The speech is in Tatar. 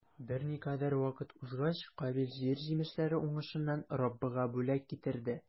Берникадәр вакыт узгач, Кабил җир җимешләре уңышыннан Раббыга бүләк китерде.